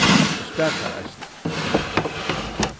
og spakar eisini